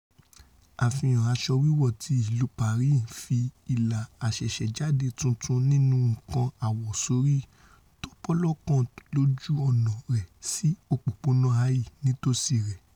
Àfihàn aṣọ wíwọ̀ ti ìlú Paris fi ìlà àṣẹ̀ṣẹ̀jáde tuntun nínú nǹkan àwọ̀sóri tópọlọ́kan lójú ọ̀nà rẹ̀ sí Òpópónà High nítòsí rẹ.